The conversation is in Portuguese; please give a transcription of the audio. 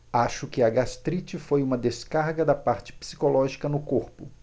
acho que a gastrite foi uma descarga da parte psicológica no corpo